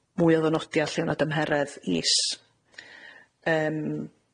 mwy o ddynodia lle o' 'na dymheredd is, yym.